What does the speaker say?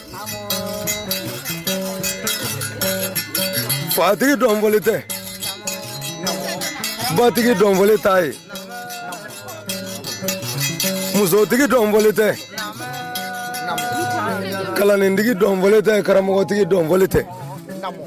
Fatigi dɔnoli tɛ batigi dɔn ta ye musotigi dɔnoli tɛ kalanintigi dɔn tɛ karamɔgɔtigi dɔnoli tɛ